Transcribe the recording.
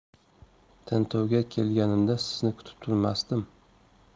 tintuvga kelganimda sizni kutib turmasdim